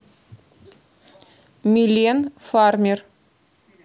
милен фармер